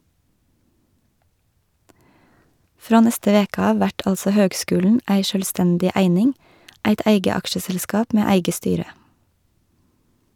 Frå neste veke av vert altså høgskulen ei sjølvstendig eining, eit eige aksjeselskap med eige styre.